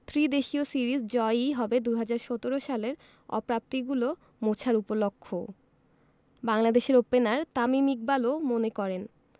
ত্রিদেশীয় সিরিজ জয়ই হবে ২০১৭ সালের অপ্রাপ্তিগুলো মোছার উপলক্ষও বাংলাদেশের ওপেনার তামিম ইকবালও মনে করেন